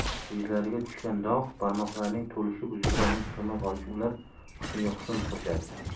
yuzlariga tushgan dog' barmoqlarining to'lishib uzuklarning sig'may qolishi ular husniga husn qo'shadi